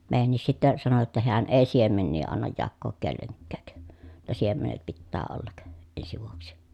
meidänkin sitten sanoi jotta hän ei siemeniä anna jakoon kenellekään jotta siemenet pitää olla ensi vuodeksi